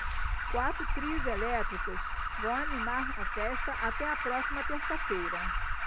quatro trios elétricos vão animar a festa até a próxima terça-feira